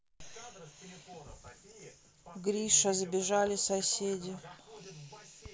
гриша забежали соседи